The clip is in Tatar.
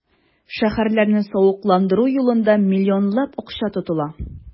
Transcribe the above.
Шәһәрләрне савыкландыру юлында миллионлап акча тотыла.